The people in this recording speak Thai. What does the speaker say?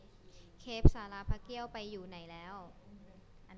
เครปศาลาพระเกี้ยวไปอยู่ไหนแล้ว